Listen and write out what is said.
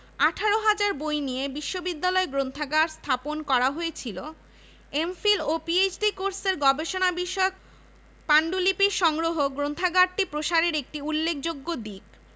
বর্তমানে এখানে ৩০ জন চিকিৎসক কর্মরত রয়েছেন সাধারণ চিকিৎসা ছাড়াও এখানে রয়েছে dental unit eye unit X ray বিভাগ এবং প্যাথলজিক্যাল পরীক্ষার সুবিধা